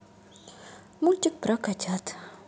мультики про котят